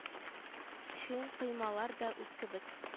Чуен коймалар да үз кебек